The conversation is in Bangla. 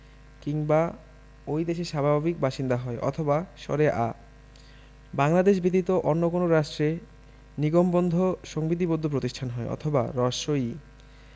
কিংবা ঐ দেশের স্বাভাবিক বাসিন্দা হয় অথবা আ বাংলাদেশ ব্যতীত অন্য কোন রাষ্ট্রে নিগমবন্ধ সংবিধিবদ্ধ প্রতিষ্ঠান হয় অথবা ই